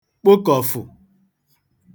kpokọ̀fụ̀